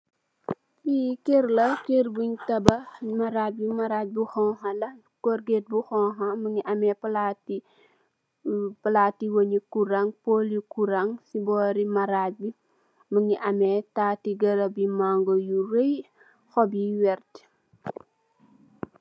Fi kër la, kër bun tabah Maraj bi, maraj bu honkha la, corket bu honkha mungi ameh palaati wèn nu kuran, pooli kuran ci boori maraj bi, mungi ameh taati mango yu rëy, hoop yu vert.